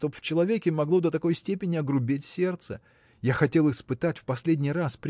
чтоб в человеке могло до такой степени огрубеть сердце. Я хотел испытать в последний раз